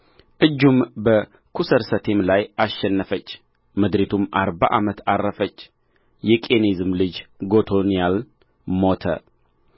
እጁም በኵሰርሰቴም ላይ አሸነፈች ምድሪቱም አርባ ዓመት ዐረፈች የቄኔዝም ልጅ ጎቶንያል ሞተ